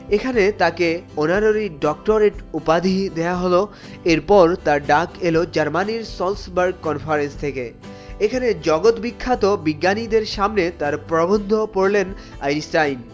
এখানে তাকে honorary doctorate উপাধি দেয়া হলো এরপর তার ডাক এলো জার্মানির সোলস বার কনফারেন্স থেকে খানে জগদ্বিখ্যাত বিজ্ঞানীদের সামনে তার প্রবন্ধ পড়লেন আইনস্টাইন